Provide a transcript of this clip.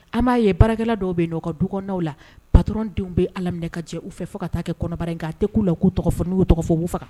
An m'a ye baarakɛla dɔw bɛ yen nɔ, o ka du kɔnɔnaw la, patɔrɔndenw bɛ Ala minɛ ka jɛ u fɛ fo ka taa kɛ kɔnɔbara ye nka a tɛ k'u la u k'u tɔgɔ fɔ ,n'u y'u tɔgɔ fɔ ,u b'u faga